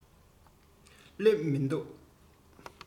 སླེབས མི འདུག